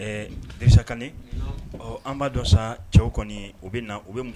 Desa kan an b'a dɔn san cɛw kɔni u bɛ na u bɛ